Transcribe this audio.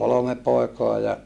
kolme poikaa ja